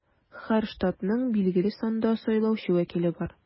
Һәр штатның билгеле санда сайлаучы вәкиле бар.